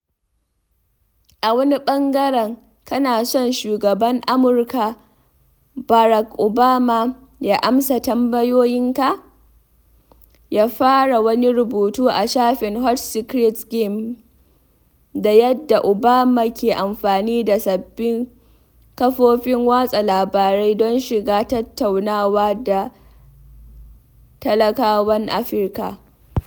A wani bangaran, kana son shugaban Amurka, Barack Obama ya amsa tambayoyinka?,” ya fara wani rubutu a shafin Hot Secrets game da yadda Obama ke amfani da sabbin kafofin watsa labarai don shiga tattaunawa da talakawan Afirka.